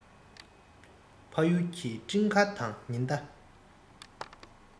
ཕ ཡུལ གྱི སྤྲིན དཀར དང ཉི ཟླ